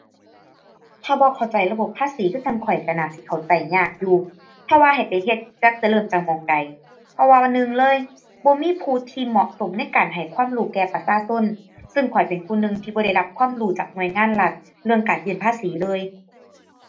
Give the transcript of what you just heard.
ถ้าบ่เข้าใจระบบภาษีคือจั่งข้อยก็น่าสิเข้าใจยากอยู่ เพราะว่าให้ไปเฮ็ดจักจะเริ่มจากหม้องใด เพราะว่าหนึ่งเลย บ่มีผู้ที่เหมาะสมในการให้ความรู้แก่ประชาชน ซึ่งข้อยเป็นผู้หนึ่งที่บ่ได้รับความรู้จากหน่วยงานรัฐเรื่องการยื่นภาษีเลย